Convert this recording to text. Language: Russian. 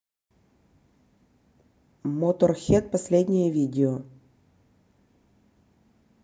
моторхед последнее видео